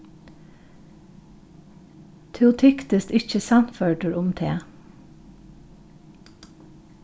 tú tyktist ikki sannførdur um tað